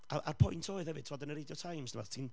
a a'r point oedd hefyd tibod yn y Radio Times neu wbath ti'n...